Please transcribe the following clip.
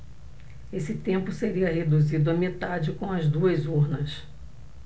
esse tempo seria reduzido à metade com as duas urnas